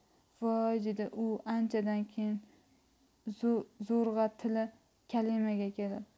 voy dedi u anchadan keyin zo'rg'a tili kalimaga kelib